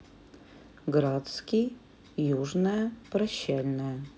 градский южная прощальная